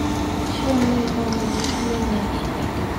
ช่วงนี้บ่มีเรื่องใดที่ข้อยติด